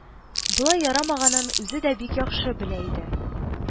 Болай ярамаганын үзе дә бик яхшы белә иде